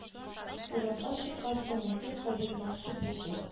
Урамга чыккач тәмәке кабызмакчы булды